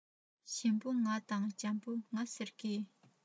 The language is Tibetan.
ཞིམ པོ ང དང འཇམ པོ ང ཟེར གྱི